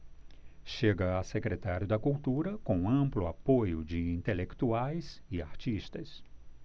chega a secretário da cultura com amplo apoio de intelectuais e artistas